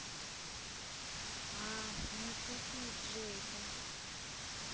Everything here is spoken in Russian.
не тупи джейка